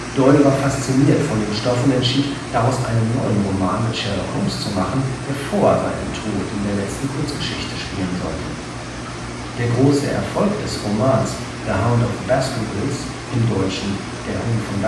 Doyle war fasziniert von dem Stoff und entschied, daraus einen neuen Roman mit Sherlock Holmes zu machen, der vor seinem Tod in der letzten Kurzgeschichte spielen sollte. Der große Erfolg des Romans The Hound of the Baskervilles (dt.: Der Hund von Baskerville